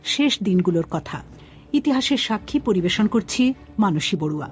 শেষ দিনগুলোর কথা ইতিহাসের সাক্ষী পরিবেশন করছি মানসী বড়ুয়া